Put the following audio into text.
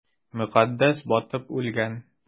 Мөкаддәс батып үлгән!